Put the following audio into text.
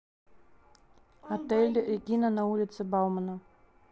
отель регина на улице баумана